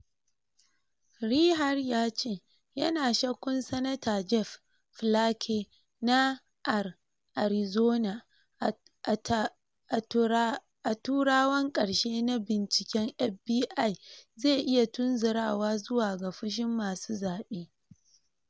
Reeher ya ce yana shakkun Sanata Jeff Flake na (R-Arizona) a turawan karshe na binciken FBI zai iya tunzurawa zuwa ga fushin masu zabe.